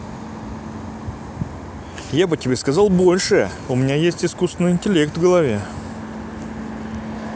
я бы тебе сказал больше у меня есть искусственный интеллект в голове